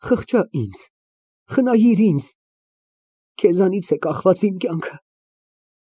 Խղճա ինձ, խնայիր ինձ։ Քեզանից է կախված իմ կյանքը։